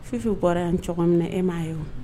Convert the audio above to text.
Fifi kɔrɔ yan cogo min na e m'a ye o